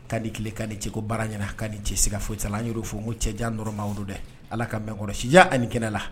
K'a ni tile k'a ni ce, ko baara ɲɛna. K'a ni ce siga foyi t'a la. An y'o de fɔ,n ko cɛjan Ala k'a mɛn an kɔrɔ, sijan ani kɛnɛya la.